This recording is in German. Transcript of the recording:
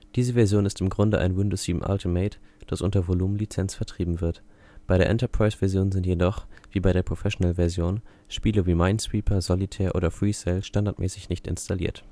Diese Version ist im Grunde ein Windows 7 Ultimate, das unter Volumenlizenz vertrieben wird. Bei der Enterprise-Version sind jedoch, wie bei der Professional-Version, Spiele wie Minesweeper, Solitär oder FreeCell standardmäßig nicht installiert